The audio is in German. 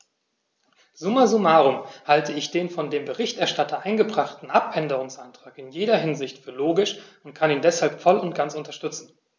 Summa summarum halte ich den von dem Berichterstatter eingebrachten Abänderungsantrag in jeder Hinsicht für logisch und kann ihn deshalb voll und ganz unterstützen.